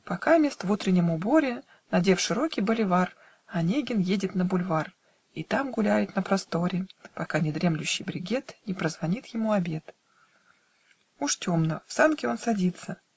Покамест в утреннем уборе, Надев широкий боливар , Онегин едет на бульвар И там гуляет на просторе, Пока недремлющий брегет Не прозвонит ему обед. Уж темно: в санки он садится.